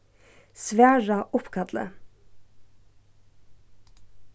svara uppkalli